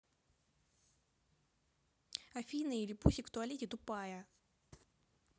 афина или пусик в туалете тупая